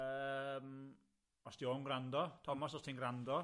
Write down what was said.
Yym, os 'di o'n gwrando, Thomos, os ti'n gwrando?